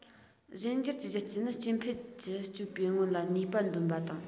གཞན འགྱུར གྱི རྒྱུ རྐྱེན ནི སྐྱེ འཕེལ གྱི སྤྱོད པའི སྔོན ལ ནུས པ འདོན པ དང